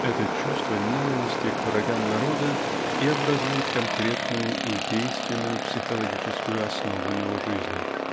Это чувство ненависти к врагам народа и образует конкретную и действенную психологическую основу его жизни.